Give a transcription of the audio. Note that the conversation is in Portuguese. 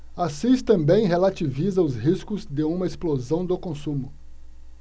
assis também relativiza os riscos de uma explosão do consumo